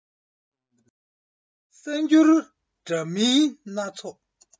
གསར འགྱུར འདྲ མིན སྣ ཚོགས